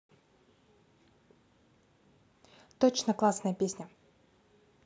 точно классная песня